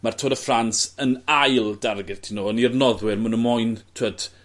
Ma'r Tour de France yn ail darget i n'w. On' i'r noddwyr ma' n'w moyn t'wod